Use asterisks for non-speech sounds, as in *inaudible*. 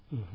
*hesitation* *hesitation*